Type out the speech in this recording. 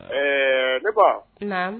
Ɛɛ ne ba